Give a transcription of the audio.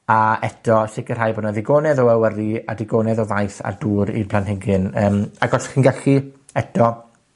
A eto, sicirhau bo' 'na ddigonedd o awyru a digonedd o faeth ar dŵr i'r planhigyn, yym, ag os chi'n gallu, eto,